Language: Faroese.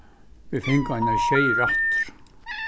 vit fingu einar sjey rættir